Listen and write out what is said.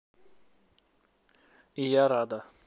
и я рада